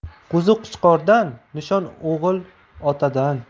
qo'zi qo'chqordan nishon o'g'il otadan